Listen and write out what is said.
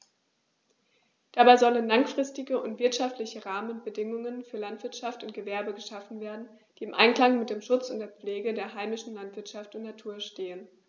Dabei sollen langfristige und wirtschaftliche Rahmenbedingungen für Landwirtschaft und Gewerbe geschaffen werden, die im Einklang mit dem Schutz und der Pflege der heimischen Landschaft und Natur stehen.